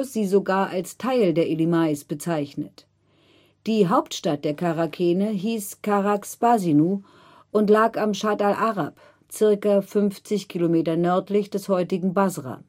sie sogar als Teil der Elymais bezeichnet. Die Hauptstadt der Charakene hieß Charax-Spasinu und lag am Schatt al-Arab (circa 50 km nördlich des heutigen Basra